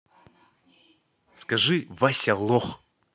скажи вася лох